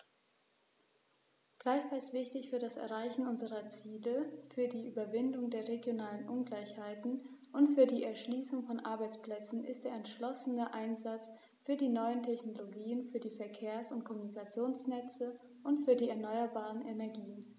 Gleichfalls wichtig für das Erreichen unserer Ziele, für die Überwindung der regionalen Ungleichheiten und für die Erschließung von Arbeitsplätzen ist der entschlossene Einsatz für die neuen Technologien, für die Verkehrs- und Kommunikationsnetze und für die erneuerbaren Energien.